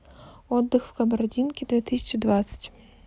отдых в кабардинке две тысячи двадцать